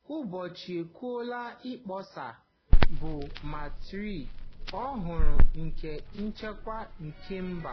Igbochi okwu ịkpọasị bụ mantra ọhụrụ nke nchekwa kemba